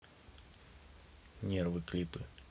нервы клипы